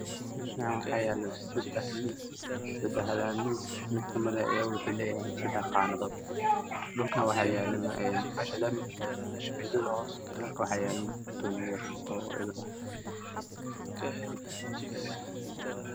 Meeshaan waxaa yaalo seddex miis mid kamid waxuu leeyahay seddex qaanadood, dhulka waxaa yaalo kartoon yar oo ebar ah.